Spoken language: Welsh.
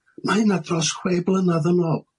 Ma' hunna dros chwe blynadd yn ôl.